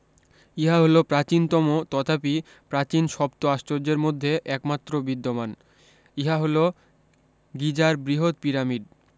ইহা হল প্রাচীনতম তথাপি প্রাচীন সপ্ত আশ্চর্যের মধ্যে একমাত্র বিদ্যমান ইহা হল গিজার বৃহত পিরামিড